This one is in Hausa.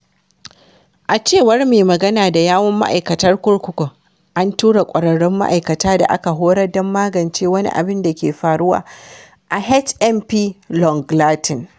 A cewar mai magana da yawun Ma’aikatar Kurkuku: “An tura ƙwararrun ma’aikatan da aka horar don magance wani abin da ke faruwa a HMP Long Lartin.